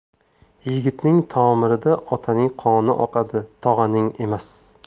yigitning tomirida otaning qoni oqadi tog'aning emas